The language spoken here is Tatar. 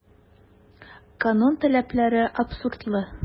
Канун таләпләре абсурдлы.